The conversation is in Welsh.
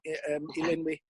i yym i lenwi.